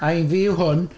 A un fi yw hwn.